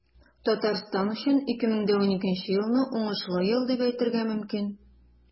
Татарстан өчен 2012 елны уңышлы ел дип әйтергә мөмкин.